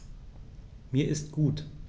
Mir ist gut.